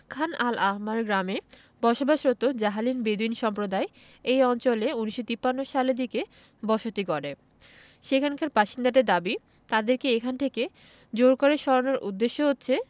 খান al Ahmar গ্রামে বসবাসরত Jahalin Bedouin সম্প্রদায় এই অঞ্চলে ১৯৫৩ সালের দিকে বসতি গড়ে সেখানকার বাসিন্দাদের দাবি তাদেরকে এখান থেকে জোর করে সরানোর উদ্দেশ্য হচ্ছে